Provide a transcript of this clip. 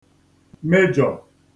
mejọ̀